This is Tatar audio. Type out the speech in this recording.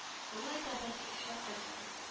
Шулай да бәлки очратырсың